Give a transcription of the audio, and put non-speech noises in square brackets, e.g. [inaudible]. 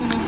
[hesitation] [hesitation]